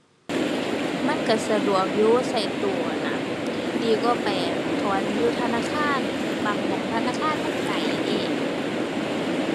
มันก็สะดวกอยู่ก็ตู้หั้นน่ะ ดีกว่าไป อั่น ถอนอยู่ธนาคาร บางหม้องธนาคารมันไกลเด้ ⁠